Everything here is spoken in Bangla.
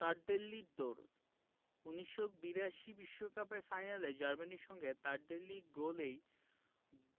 তারদেল্লির দৌড় ১৯৮২ বিশ্বকাপের ফাইনালে জার্মানির সঙ্গে তারদেল্লির গোলেই